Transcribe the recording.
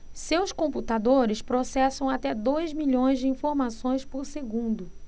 seus computadores processam até dois milhões de informações por segundo